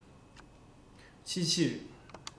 ཕྱི ཕྱིར